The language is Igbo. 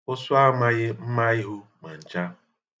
Ụsụ amaghị mma ihu ma ncha.